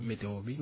météo bi